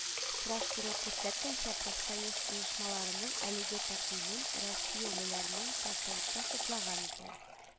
Сораштыру күрсәткәнчә, профсоюз оешмаларының әлеге тәкъдимен россиялеләрнең проценты хуплаган икән